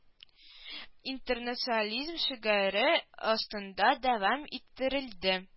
Интернациолизм шигаре астында дәвам иттерелде